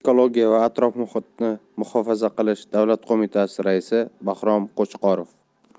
ekologiya va atrof muhitni muhofaza qilish davlat qo'mitasi raisi bahrom qo'chqorov